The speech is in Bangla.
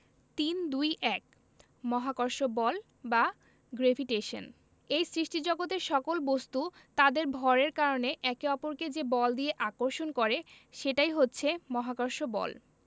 ৩২১ মহাকর্ষ বল বা গ্রেভিটেশন এই সৃষ্টিজগতের সকল বস্তু তাদের ভরের কারণে একে অপরকে যে বল দিয়ে আকর্ষণ করে সেটাই হচ্ছে মহাকর্ষ বল